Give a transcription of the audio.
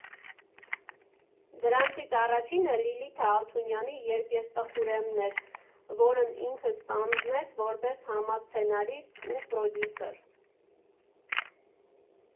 Դրանցից առաջինը Լիլիթ Ալթունյանի «Երբ ես տխուր եմ»֊ն էր, որն ինքը ստանձնեց որպես համասցենարիստ ու պրոդյուսեր։